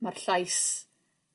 ma'r llais